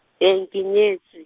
eng ke nyetše.